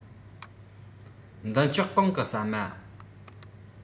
མདུན ལྕོག གང གི ཟ མ